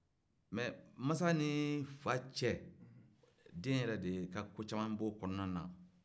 mais mansa ni fa cɛ den yɛrɛ de ka ko caman b'o kɔnɔna na